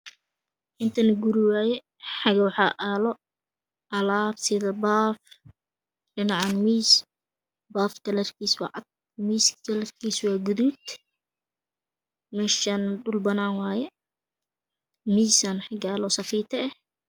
Intanaguriwaye xagana waxa yalo alab sidabaaf dhinacmiis bafka kalarkiswacad miiska kalarkis waagaduud meshana dhulbananwaye miis Sana xagayalo osafito eh